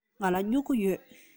ང ལ སྨྱུ གུ ཡོད